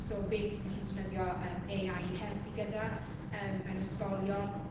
So beth ni'n gallu defnyddio yym AI i helpu gyda yym mewn ysgolion.